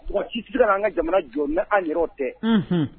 Mɔgɔ ci sigira an ka jamana jɔ mɛ an yɛrɛ tɛ